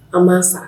A ma san